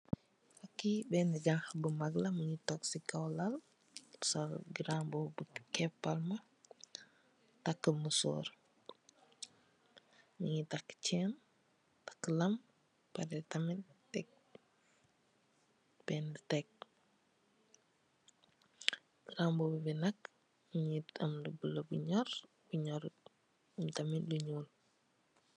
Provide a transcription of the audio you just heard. Key bena Janha bu mak la Mungi tog sey kaw lal sol garambubi kepal ma taka mbusorr Mungi taka chain ak lam pareh tamit tekk bena tekk garambubi bi nak mungi am lu blue bu nyorr bu nyorut am tamit lu nyuul.